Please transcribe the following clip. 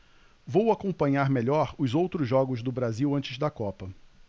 vou acompanhar melhor os outros jogos do brasil antes da copa